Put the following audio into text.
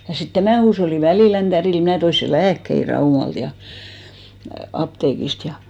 ja sitten tämän huushollin Välilän tädille minä toin sen lääkkeitä Raumalta ja apteekista ja